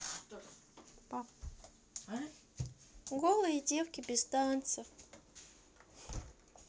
голые девки без танцев